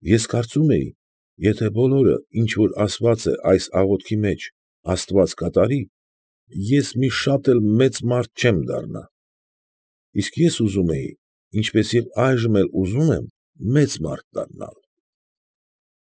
Ես կարծում էի, եթե բոլորն ինչ որ ասված է այս աղոթքի մեջ, աստված կատարի ֊ ես մի շատ էլ մեծ մարդ չեմ դառնալ, իսկ ես ուղում էի, ինչպես և այժմ էլ ուզում եմ, մեծ մարդ դառնալ։